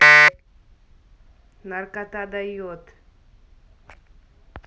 наркота дает